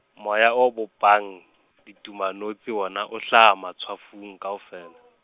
moya o bopang, ditumanotshi wona o hlaha matshwafong kaofela.